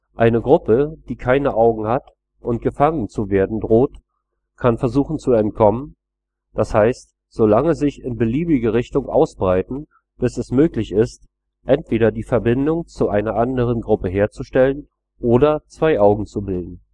Eine Gruppe, die keine Augen hat und gefangen zu werden droht, kann versuchen zu entkommen, das heißt, so lange sich in beliebige Richtung ausbreiten, bis es möglich ist, entweder die Verbindung zu einer anderen Gruppe herzustellen oder zwei Augen zu bilden